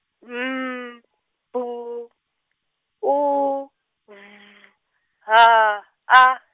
M B U V H A.